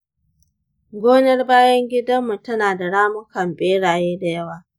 gonar bayan gidarmu tana da ramukan beraye da yawa.